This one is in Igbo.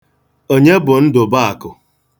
Onye bụ Ndụ̀bụ̀àkụ̀.